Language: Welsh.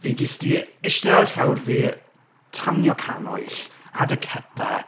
Fi jyst 'di, ishte ar llawr fi, tanio cannwyll, 'ad a cuppa,